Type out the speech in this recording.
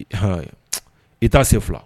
H i t'a sen fila